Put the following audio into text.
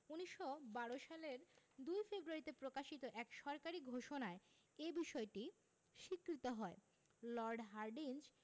১৯১২ সালের ২ ফেব্রুয়ারিতে প্রকাশিত এক সরকারি ঘোষণায় এ বিষয়টি স্বীকৃত হয় লর্ড হার্ডিঞ্জ